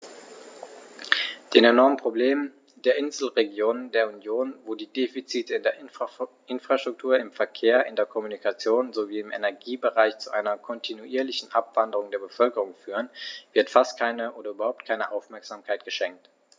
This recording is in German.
Den enormen Problemen der Inselregionen der Union, wo die Defizite in der Infrastruktur, im Verkehr, in der Kommunikation sowie im Energiebereich zu einer kontinuierlichen Abwanderung der Bevölkerung führen, wird fast keine oder überhaupt keine Aufmerksamkeit geschenkt.